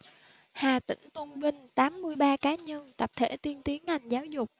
hà tĩnh tôn vinh tám mươi ba cá nhân tập thể tiên tiến ngành giáo dục